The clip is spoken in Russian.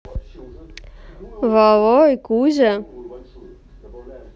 вовой кузя